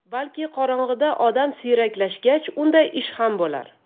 balki qorong'ida odam siyraklashgach unday ish ham bo'lar